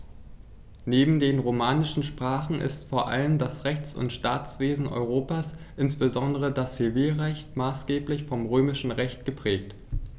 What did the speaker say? Neben den romanischen Sprachen ist vor allem das Rechts- und Staatswesen Europas, insbesondere das Zivilrecht, maßgeblich vom Römischen Recht geprägt.